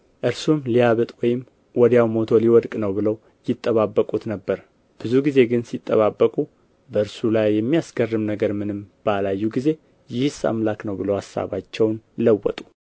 እነርሱም ሊያብጥ ወይም ወዲያው ሞቶ ሊወድቅ ነው ብለው ይጠባበቁት ነበር ብዙ ጊዜ ግን ሲጠባበቁ በእርሱ ላይ የሚያስገርም ነገር ምንም ባላዩ ጊዜ ይህስ አምላክ ነው ብለው አሳባቸውን ለወጡ